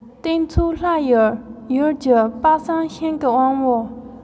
སྟེང ཕྱོགས ལྷ ཡི ཡུལ གྱི དཔག བསམ ཤིང གི དབང པོ